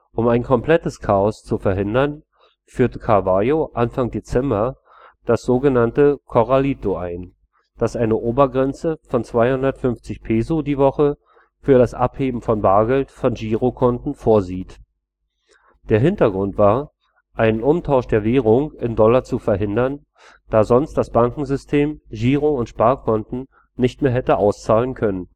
Um ein komplettes Chaos zu verhindern, führte Cavallo Anfang Dezember das so genannte Corralito ein, das eine Obergrenze von 250 Peso die Woche für das Abheben von Bargeld von Girokonten vorsieht. Der Hintergrund war, einen Umtausch der Währung in Dollar zu verhindern, da sonst das Bankensystem Giro - und Sparkonten nicht mehr hätte auszahlen können